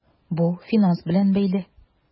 Бу финанс белән бәйле.